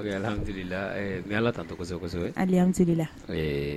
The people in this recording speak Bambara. Mu ala ta to kosɛbɛsɔ hali y an la